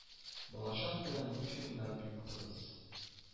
Балачак белән мультфильмнар бик тыгыз